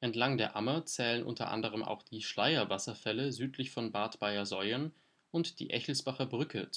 Entlang der Ammer zählen unter anderem auch die Schleierwasserfälle südlich von Bad Bayersoien und die Echelsbacher Brücke